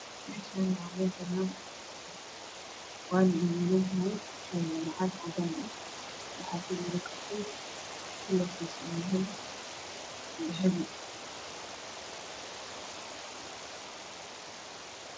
Meshan waa meel banan waanah gabudan tahay wax yaalo caag cadan ah waxa ku jiro katin kalarkiso oow yahay dahabi